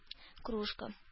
Кружка